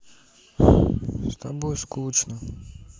с тобой скучно